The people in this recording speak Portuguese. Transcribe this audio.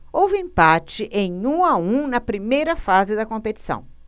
houve empate em um a um na primeira fase da competição